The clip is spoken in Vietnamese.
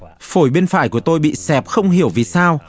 phổi bên phải của tôi bị xẹp không hiểu vì sao